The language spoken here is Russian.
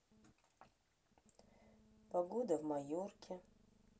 погода в майорке